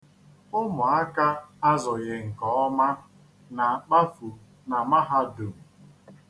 Ụmụaka azụghị nke ọma na-akpafu na mahadum.